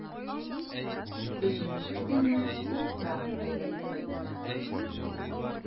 Өченче төнне ул тагын әйләнеп кайтты.